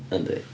Yndi.